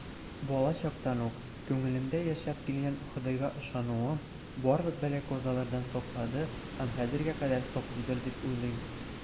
Балачактан ук күңелемдә яшәп килгән Ходайга ышануым барлык бәла-казалардан саклады һәм хәзергә кадәр саклыйдыр дип уйлыйм.